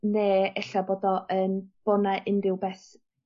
ne' ella bod o yn bo' 'na unryw beth